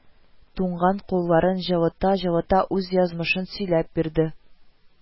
Туңган кулларын җылыта-җылыта үз язмышын сөйләп бирде